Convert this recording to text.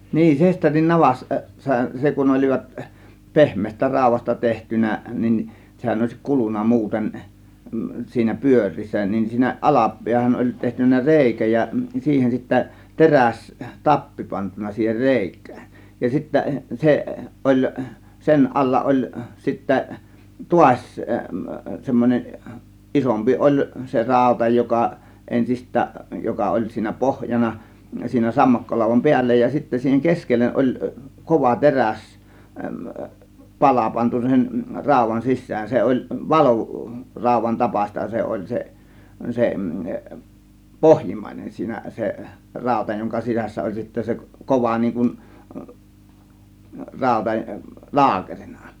niin sesterin - navassa se kun olivat pehmeästä raudasta tehty niin sehän olisi kulunut muuten siinä pyöreässä niin siinä - alapäähän oli tehty reikä ja siihen sitten - terästappi pantu siihen reikään ja sitten se oli sen alla oli sitten taas semmoinen isompi oli se rauta joka ensistään joka oli siinä pohjana siinä sammakkolaudan päällä ja sitten siihen keskelle oli kova - teräspala pantu sen raudan sisään se oli - valuraudan tapaista se oli se se pohjimmainen siinä se rauta jonka sisässä oli sitten se kova niin kuin rauta laakerina